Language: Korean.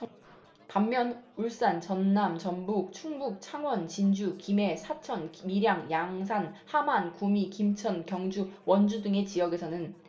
반면 울산 전남 전북 충북 창원 진주 김해 사천 밀양 양산 함안 구미 김천 경주 원주 등의 지역에서는 학년제를 기준으로 할인 적용 여부를 결정한다